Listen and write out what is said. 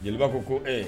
Jeliba ko ko ee